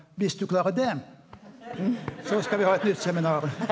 viss du klarar det så skal vi ha eit nytt seminar.